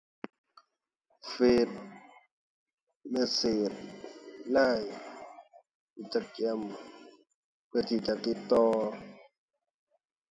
เฟซ เมสเซจ LINE Instagram เพื่อที่จะติดต่อ